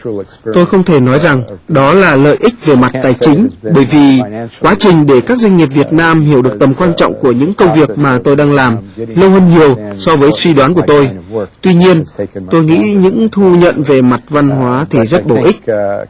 tôi không thể nói rằng đó là lợi ích về mặt tài chính bởi vì quá trình để các doanh nghiệp việt nam hiểu được tầm quan trọng của những công việc mà tôi đang làm lâu hơn nhiều so với suy đoán của tôi tuy nhiên tôi nghĩ những thu nhận về mặt văn hóa thì rất bổ ích